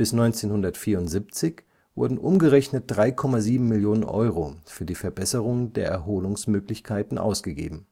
1974 wurden umgerechnet 3,7 Millionen Euro für die Verbesserung der Erholungsmöglichkeiten ausgegeben